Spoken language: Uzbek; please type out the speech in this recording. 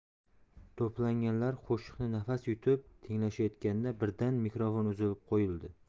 to'planganlar qo'shiqni nafas yutib tinglashayotganda birdan mikrofon uzib qo'yildi